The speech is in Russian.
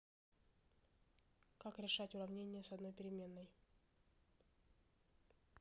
как решать уравнения с одной переменной